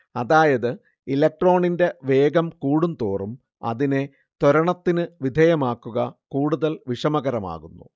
അതായത് ഇലക്ട്രോണിന്റെ വേഗം കൂടുതോറും അതിനെ ത്വരണത്തിന് വിധേയമാക്കുക കൂടുതൽ വിഷമകരമാകുന്നു